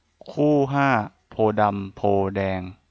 คู่ห้าโพธิ์ดำโพธิ์แดง